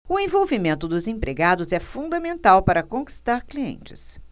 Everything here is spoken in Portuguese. o envolvimento dos empregados é fundamental para conquistar clientes